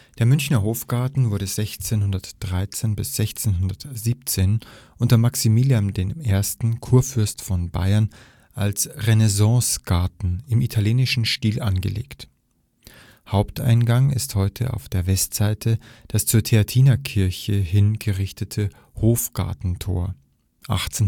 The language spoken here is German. Der Münchener Hofgarten wurde 1613 – 1617 unter Maximilian I., Kurfürst von Bayern als Renaissancegarten im italienischen Stil angelegt. Haupteingang ist heute auf der Westseite das zur Theatinerkirche hin gerichtete Hofgartentor (1816